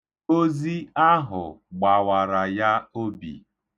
Ozi ahụ gbawara ya obi.